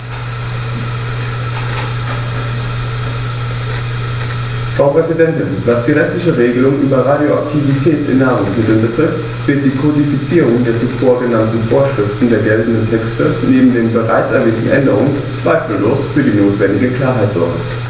Frau Präsidentin, was die rechtlichen Regelungen über Radioaktivität in Nahrungsmitteln betrifft, wird die Kodifizierung der zuvor genannten Vorschriften der geltenden Texte neben den bereits erwähnten Änderungen zweifellos für die notwendige Klarheit sorgen.